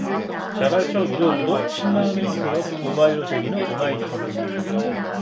자발적 유료 구독 십 만인클럽 모바일로 즐기는 오마이뉴스